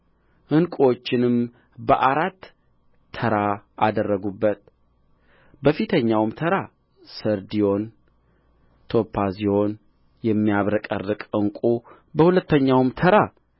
ዕንቍዎቹንም በአራት ተራ አደረጉበት በፊተኛውም ተራ ሰርድዮን ቶጳዝዮን የሚያብረቀርቅ ዕንቍ በሁለተኛውም ተራ